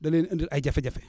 da leen di indil ay jafe-jafe